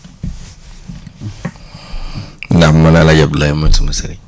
ndax Maam El Hadj Abdoulaye mooy sama sëriñ